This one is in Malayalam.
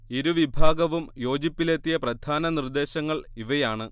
ഇരു വിഭാഗവും യോജിപ്പിലെത്തിയ പ്രധാന നിർദ്ദേശങ്ങൾ ഇവയാണ്